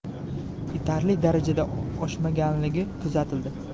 yetarli darajada oshmaganligi kuzatildi